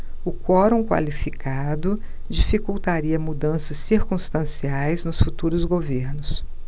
o quorum qualificado dificultaria mudanças circunstanciais nos futuros governos